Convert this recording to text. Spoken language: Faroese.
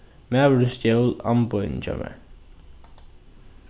maðurin stjól amboðini hjá mær